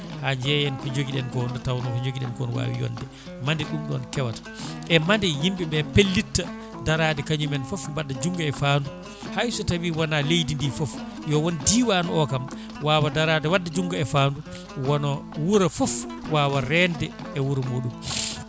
ha jeeyen ko joogui ɗen ko nde tawno ko joogui ɗen ko ne wawi yonde mande ɗum ɗon kewata e mande yimɓeɓe pellitta daara kañumen foof mbaɗa junggo e fandu hayso tawi wona leydi ndi foof yo woon diwan o kam wawa darade wadda junggo e fandu wona wuuro foof wawa rende e wuuro muɗum